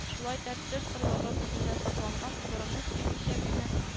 Шулай да төп орлыгы үзендә сакланган — борынны чөймичә генә